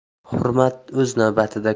hurmat o'z navbatida